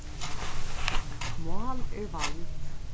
mál er vald